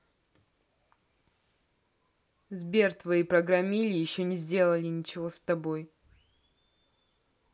сбер твои программили еще не сделали ничего с тобой